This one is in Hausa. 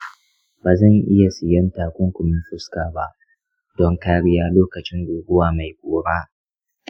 ba zan iya siyan takunkumin fuska ba don kariya lokacin guguwa mai ƙura.